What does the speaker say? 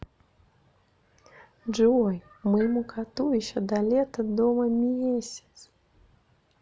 джой моему коту еще до лета дома месяце